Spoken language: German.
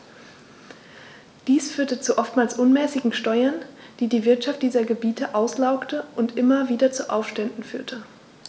Dies führte zu oftmals unmäßigen Steuern, die die Wirtschaft dieser Gebiete auslaugte und immer wieder zu Aufständen führte.